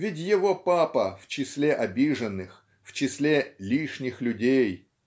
Ведь его папа - в числе обиженных, в числе "лишних людей".